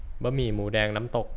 บะหมี่หมููแดงน้ำตก